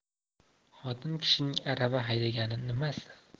xotin kishining arava haydagani nimasi